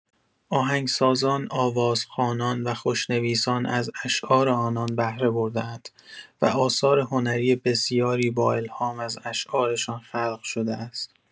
آهنگسازان، آوازخوانان و خوشنویسان از اشعار آنان بهره برده‌اند و آثار هنری بسیاری با الهام از اشعارشان خلق شده است.